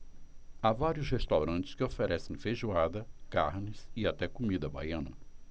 há vários restaurantes que oferecem feijoada carnes e até comida baiana